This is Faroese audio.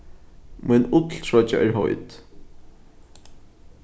mín ulltroyggja er heit